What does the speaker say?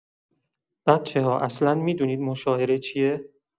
بچه‌ها اصلا می‌دونید مشاعره چیه؟